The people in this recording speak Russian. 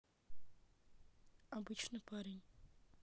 обычный парень